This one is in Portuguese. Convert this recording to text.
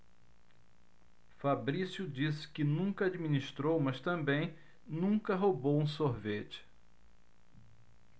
fabrício disse que nunca administrou mas também nunca roubou um sorvete